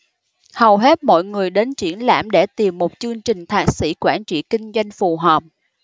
hầu hết mọi người đến triển lãm để tìm một chương trình thạc sĩ quản trị kinh doanh phù hợp